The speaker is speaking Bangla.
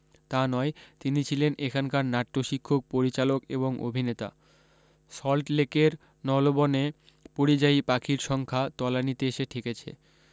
তা নয় তিনি ছিলেন এখানকার নাট্যশিক্ষক পরিচালক এবং অভিনেতা সল্টলেকের নলবনে পরিযায়ী পাখির সংখ্যা তলানিতে এসে ঠেকেছে